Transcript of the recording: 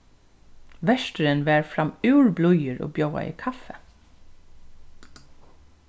verturin var framúr blíður og bjóðaði kaffi